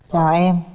chào em